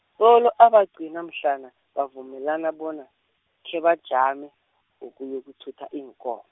solo abagcina mhlana, bavumelana bona, khebajame, ngokuyokuthutha iinkom-.